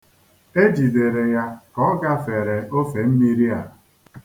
E jidere ya ka ọ gefere ofemmiri a.